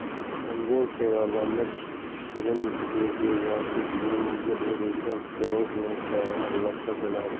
konveksiya yordamida shirin beze yoki tilingizda eriydigan pirojnoye tayyorlasa bo'ladi